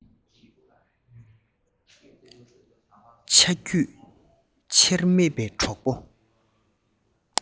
ཆ རྒྱུས ཆེར མེད པའི གྲོགས པོ